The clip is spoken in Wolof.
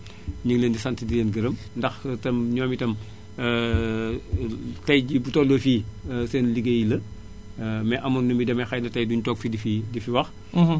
ñu ngi leen di sant di leen gërëm ndax itam ñoom itam tay jii bu tollee fii seen liggéey la mais am na nu muy demee duñu toog fii di ci wax